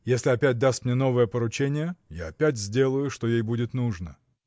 Если опять даст мне новое поручение, я опять сделаю, что ей будет нужно.